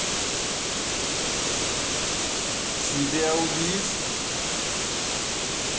тебя убить